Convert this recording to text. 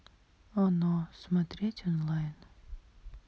оно смотреть онлайн